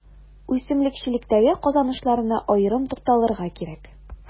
Үсемлекчелектәге казанышларына аерым тукталырга кирәк.